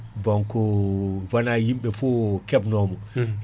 donc wona yimɓe foof keebnomo